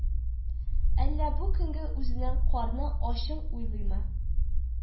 Әллә бу көнге үзенең карны ачын уйлыймы